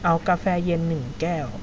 เอากาแฟเย็นหนึ่งแก้ว